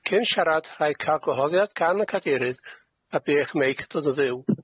Cyn siarad rhaid cael gwahoddiad gan y cadeirydd a bu eich meic dod yn fyw.